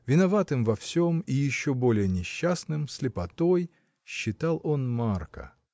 Виноватым во всем, и еще более несчастным слепотой — считал он Марка.